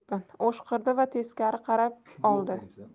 o'shqirdi va teskari qarab oldi